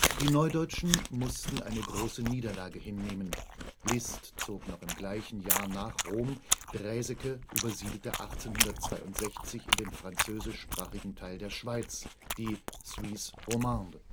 Die Neudeutschen mussten eine große Niederlage hinnehmen. Liszt zog noch im gleichen Jahr nach Rom, Draeseke übersiedelte 1862 in den französischsprachigen Teil der Schweiz, die Suisse romande